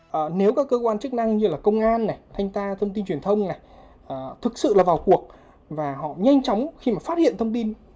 nếu các cơ quan chức năng như công an này thanh tra thông tin truyền thông này thực sự là vào cuộc và họ nhanh chóng khi phát hiện thông tin